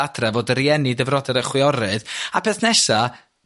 efo dy rieni dy frodyr a chwiorydd a peth nesa'